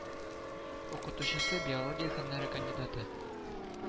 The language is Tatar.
Укытучысы, биология фәннәре кандидаты